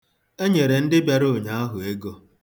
E nyere ndị bịara ụnyaahụ ego.